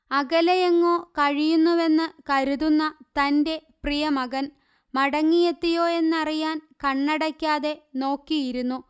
അകലെ എങ്ങോ കഴിയുന്നുവെന്ന്കരുതുന്ന തന്റെ പ്രിയമകൻ മടങ്ങി എത്തിയോ എന്നറിയാൻ കണ്ണടയ്ക്കാതെ നോക്കിയിരുന്നു